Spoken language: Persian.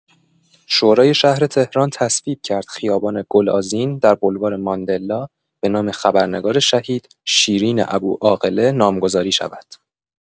شورای شهر تهران تصویب کرد خیابان گل‌آذین در بلوار ماندلا، به نام خبرنگار شهید، شیرین ابوعاقله نامگذاری شود!